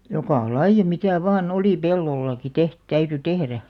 joka lajia mitä vain oli pellollakin - täytyi tehdä